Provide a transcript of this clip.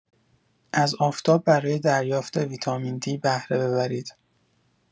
از آفتاب برای دریافت ویتامین D بهره ببرید.